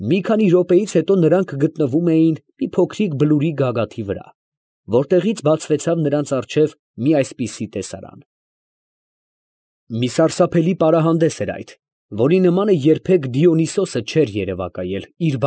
Մի քանի րոպեից հետո նրանք գտնվում էին մի փոքրիկ բլուրի գագաթի վրա, որտեղից բացվեցավ նրանց առջև մի այսպիսի տեսարան. ֊ Մի սարսափելի պարահանդես էր այդ, որի նմանը երբեք Դիոնիսիոսը չէ երևակայել իր։